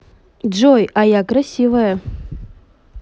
джой а я красивая